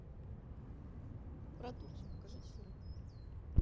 про турцию покажите фильм